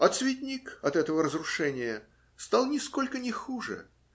А цветник от этого разрушения стал нисколько не хуже.